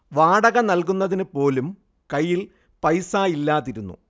വാടക നൽകുന്നതിന് പോലും കൈയിൽ പൈസയില്ലാതിരുന്നു